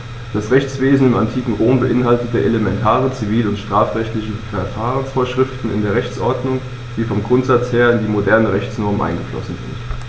Das Rechtswesen im antiken Rom beinhaltete elementare zivil- und strafrechtliche Verfahrensvorschriften in der Rechtsordnung, die vom Grundsatz her in die modernen Rechtsnormen eingeflossen sind.